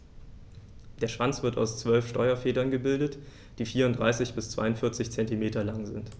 Der Schwanz wird aus 12 Steuerfedern gebildet, die 34 bis 42 cm lang sind.